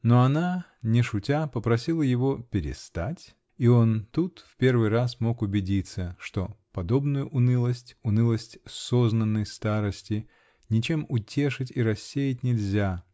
Но она, не шутя, попросила его "перестать", и он тут в первый раз мог убедиться, что подобную унылость, унылость сознанной старости, ничем утешить и рассеять нельзя